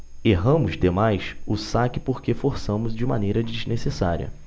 erramos demais o saque porque forçamos de maneira desnecessária